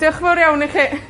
Diolch yn fawr iawn i chi.